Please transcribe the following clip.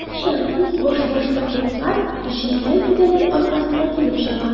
Гәрчә, күп башбаштаклыклар җирле түрәләр аркасында килеп чыга.